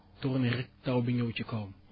tourner rek taw bi ñëw ci kawam